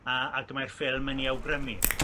a ag mae'r ffilm yn i awgrymu